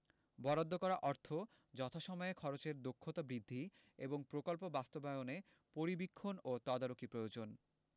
বরাদ্দ করা অর্থ যথাসময়ে খরচের দক্ষতা বৃদ্ধি এবং প্রকল্প বাস্তবায়নে পরিবীক্ষণ ও তদারকি প্রয়োজন